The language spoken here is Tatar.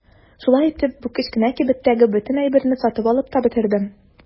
Шулай итеп бу кечкенә кибеттәге бөтен әйберне сатып алып та бетердем.